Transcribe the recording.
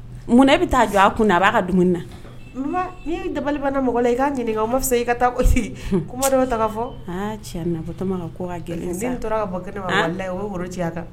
Munna bɛ taa jɔ a kun a b'a ka dumuni na n ye dabalibana mɔgɔ la i ka ɲininka fɛ i ka taaba fɔ cɛ natɔ gɛlɛn tora bɔ kɛnɛ la woro cɛya kan